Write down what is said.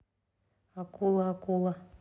акула акула